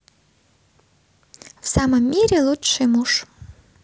в самом мире лучший муж